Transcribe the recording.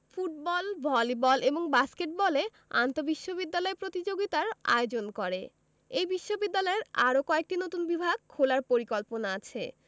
football volleyball এবং বাস্কেটবলে আন্তঃবিশ্ববিদ্যালয় প্রতিযোগিতার আয়োজন করে এই বিশ্ববিদ্যালয়ের আরও কয়েকটি নতুন বিভাগ খোলার পরিকল্পনা আছে